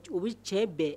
U bɛ cɛ bɛɛ